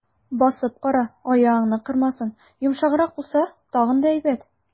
Басып кара, аягыңны кырмасын, йомшаграк булса, тагын да әйбәт.